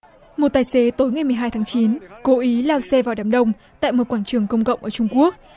một tài xế tối ngày mười hai tháng chín cố ý lao xe vào đám đông tại một quảng trường công cộng ở trung quốc